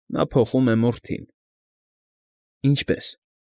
Նա փոխում է մորթին։ ֊ Ինչպե՞ս։